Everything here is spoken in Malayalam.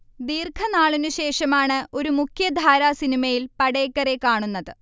ദീർഘനാളിന്ശേഷമാണ് ഒരു മുഖ്യധാര സിനിമയിൽ പടേക്കറെ കാണുന്നത്